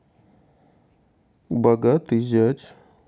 богатый зять